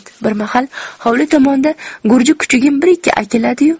bir mahal hovli tomonda gurji kuchugim birikki akilladi yu